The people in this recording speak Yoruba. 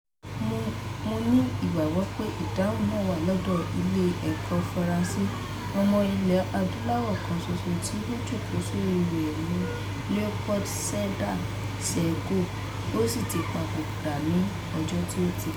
Mo ní ìgbàgbọ́ pé ìdáhùn náà wà lọdọ Ilé Ẹ̀kọ́ Faransé: ọmọ Ilẹ̀ Adúláwò kan ṣoṣo tí ó jókòó sórí ẹ̀ rí ni Leopold Sedar Senghor, ó sì ti papòdà ní ọjọ́ tí ó ti pẹ̀.